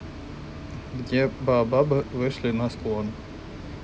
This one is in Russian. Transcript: где баобабы вышли на склон